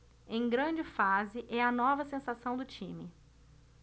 em grande fase é a nova sensação do time